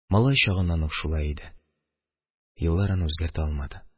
Малай чагыннан ук шулай иде, еллар аны үзгәртә алмады